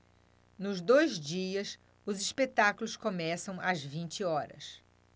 nos dois dias os espetáculos começam às vinte horas